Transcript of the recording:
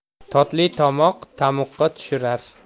totli tomoq tamuqqa tushirar